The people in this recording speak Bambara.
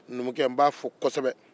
n bɛ numukɛ fo kosɛbɛ